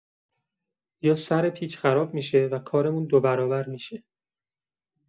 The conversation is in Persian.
یا سر پیچ خراب می‌شه و کارمون دو برابر می‌شه.